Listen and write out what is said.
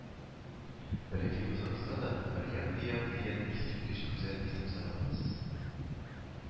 Бәләкәй кызыгызга да Марьяммиям дигән искиткеч гүзәл исем сайлагансыз